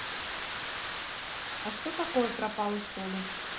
а что такое пропала что ли